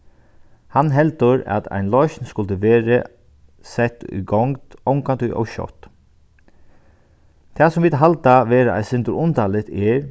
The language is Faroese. hann heldur at ein loysn skuldi verið sett í gongd ongantíð ov skjótt tað sum vit halda vera eitt sindur undarligt er